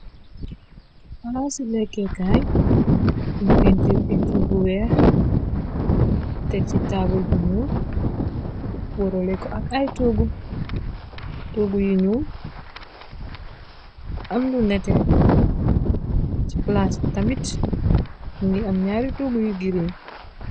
Palase si lekkeekaay bon pintiir pintiir bu weex teg ci taabul bu ñuul waroleko ak ay tuggu, tuggu yu ñuul am lu nete ci plase be tamit nuge am gñaari tuggu yu giriñ.